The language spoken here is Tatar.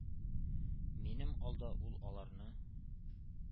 Минем алда ул аларны